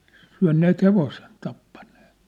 syöneet hevosen tappaneet